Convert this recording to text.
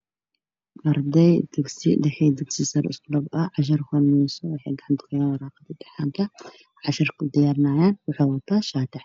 Waa arday dugsi sare iyo dugsi dhexe isku jiro waxay gacanta kuhayaan waraaqada intixaanka oo ay cashar ku tiyaarinaayaan.